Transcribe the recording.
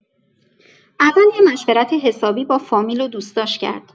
اول یه مشورت حسابی با فامیل و دوستاش کرد.